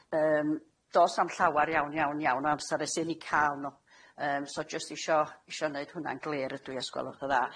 Yym, do's a'm llawar iawn iawn iawn o amsar es i ni'u ca'l nw, yym. So jyst isio isio neud hwn'na'n glir ydw i, os gwelwch yn dda.